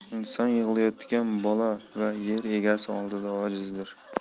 inson yig'layotgan bola va yer egasi oldida ojizdir